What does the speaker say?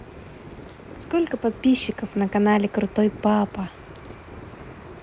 сколько подписчиков на канале крутой папа